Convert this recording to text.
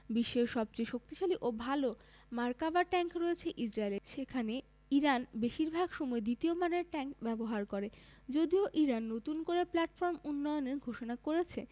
বিশ্বের সবচেয়ে শক্তিশালী ও ভালো মার্কাভা ট্যাংক রয়েছে ইসরায়েলের সেখানে ইরান বেশির ভাগ সময় দ্বিতীয় মানের ট্যাংক ব্যবহার করে যদিও ইরান নতুন করে প্ল্যাটফর্ম উন্নয়নের ঘোষণা করেছে